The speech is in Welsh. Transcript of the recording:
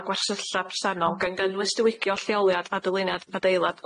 a gwersylla presennol gan gynnwys diwygio lleoliad adolyniad adeilad